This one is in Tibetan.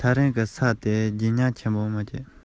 བསམ བློ གཏོང གིན གཏོང གིན